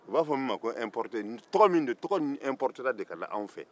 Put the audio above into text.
u b'a fɔ ninnu ma ko importe tɔgɔ minnu don tɔgɔ ninnu importera de ka na an fɛ